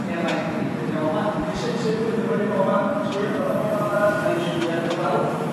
Ie mae ddifyr ddiawl 'ma. 'Lly su' su' flwyddyn mae 'di bo' 'ma? Sych fatha bob man arall? Mae'n sych. Gawn ni weld?